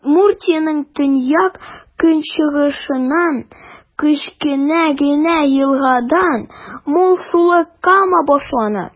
Удмуртиянең төньяк-көнчыгышыннан, кечкенә генә елгадан, мул сулы Кама башлана.